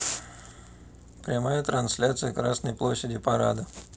прямая трансляция красной площади парада